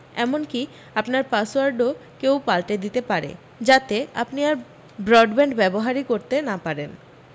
এমনকি আপনার পাসওয়ার্ডও কেউ পাল্টে দিতে পারে যাতে আপনি আর ব্রডব্যাণ্ড ব্যবহারি করতে না পারেন